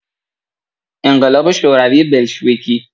انقلاب شوروی بلشویکی